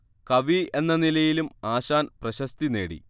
കവി എന്ന നിലയിലും ആശാൻ പ്രശസ്തി നേടി